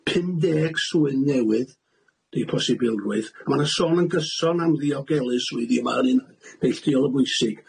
Pum deg swydd newydd 'di'r posibilrwydd. Ma' 'na sôn yn gyson am ddiogelu swyddi a ma' hynny'n neilltuol o bwysig.